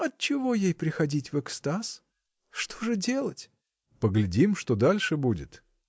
От чего ей приходить в экстаз? Что же делать? — Поглядим, что дальше будет!